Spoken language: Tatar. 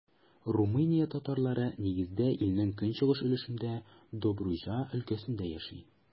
Румыния татарлары, нигездә, илнең көнчыгыш өлешендәге Добруҗа өлкәсендә яши.